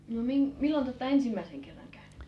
no - milloin te olette ensimmäisen kerran käynyt